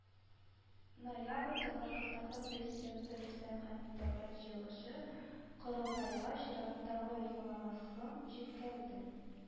Ноябрьдә башкортстан президенты рөстәм хәмитов дәүләт җыелышы-корылтайга чираттагы юлламасын җиткерде